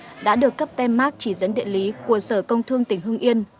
đã được cấp tem mác chỉ dẫn địa lý của sở công thương tỉnh hưng yên